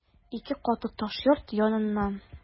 Ике катлы таш йорт яныннан...